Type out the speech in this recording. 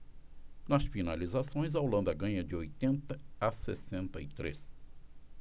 nas finalizações a holanda ganha de oitenta a sessenta e três